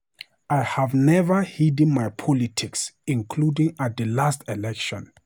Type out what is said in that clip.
I have never hidden my politics, including at the last election.